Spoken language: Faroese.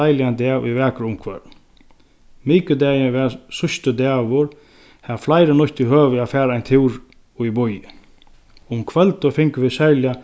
deiligan dag í vakra umhvørvinum mikudagin var síðsti dagur har fleiri nýttu høvið at fara ein túr í býin um kvøldið fingu vit serliga